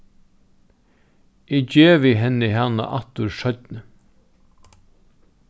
eg gevi henni hana aftur seinni